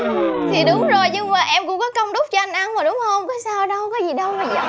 nhưng mà em cũng có công đút cho anh ăn mà đúng hông có sao đâu có gì đâu mà giận